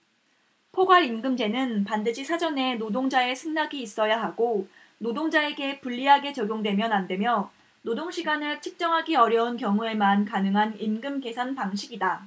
포괄임금제는 반드시 사전에 노동자의 승낙이 있어야 하고 노동자에게 불리하게 적용되면 안 되며 노동시간을 측정하기 어려운 경우에만 가능한 임금계산 방식이다